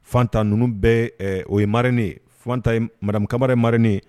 Fantan ninnu bɛ o ye marirennen fantan marikari marirennen